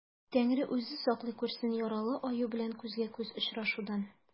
Тәңре үзе саклый күрсен яралы аю белән күзгә-күз очрашудан.